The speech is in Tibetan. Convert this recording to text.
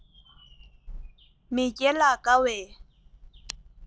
མེས རྒྱལ ལ དགའ བའི